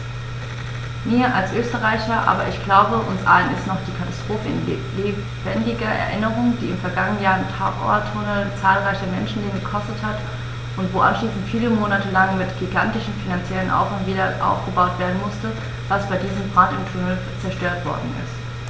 Mir als Österreicher, aber ich glaube, uns allen ist noch die Katastrophe in lebendiger Erinnerung, die im vergangenen Jahr im Tauerntunnel zahlreiche Menschenleben gekostet hat und wo anschließend viele Monate lang mit gigantischem finanziellem Aufwand wiederaufgebaut werden musste, was bei diesem Brand im Tunnel zerstört worden ist.